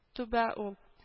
Түбә ул